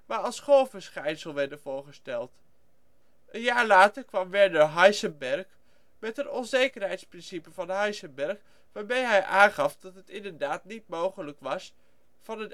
als golfverschijnsel werden voorgesteld. Een jaar later kwam Werner Heisenberg met het onzekerheidsprincipe van Heisenberg, waarmee hij aangaf dat het inderdaad niet mogelijk was van